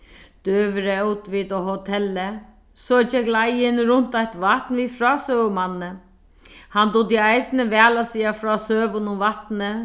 døgurða ótu vit á hotelli so gekk leiðin runt eitt vatn við frásøgumanni hann dugdi eisini væl at siga frá søgum um vatnið